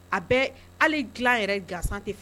A bɛ hali dilan yɛrɛ gan tɛ fɛ